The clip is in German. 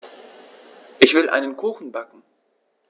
Ich will einen Kuchen backen.